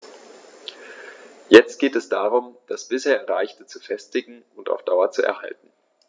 Jetzt geht es darum, das bisher Erreichte zu festigen und auf Dauer zu erhalten.